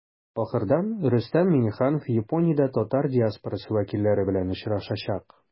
Ахырдан Рөстәм Миңнеханов Япониядә татар диаспорасы вәкилләре белән очрашачак.